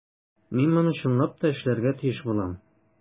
Мин моны чынлап та эшләргә тиеш булам.